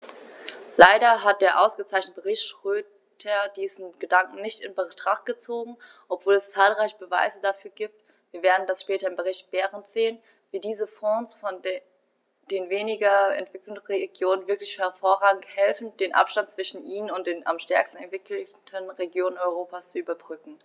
Leider hat der ausgezeichnete Bericht Schroedter diesen Gedanken nicht in Betracht gezogen, obwohl es zahlreiche Beweise dafür gibt - wir werden das später im Bericht Berend sehen -, wie diese Fonds den weniger entwickelten Regionen wirklich hervorragend helfen, den Abstand zwischen ihnen und den am stärksten entwickelten Regionen Europas zu überbrücken.